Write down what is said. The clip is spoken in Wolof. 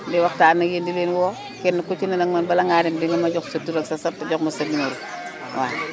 di waxtaan ak yéen di leen woo kenn ku ci ne nag moom bala ngaa dem dinga ma sa tur ak sa sant jox ma sa numéro waaw